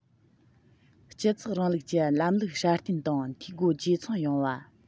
སྤྱི ཚོགས རིང ལུགས ཀྱི ལམ ལུགས སྲ བརྟན དང འཐུས སྒོ ཇེ ཚང ཡོང བ